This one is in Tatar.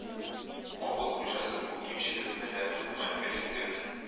Авыл хуҗасы бу кимчелекне дә хөкүмәткә җиткерде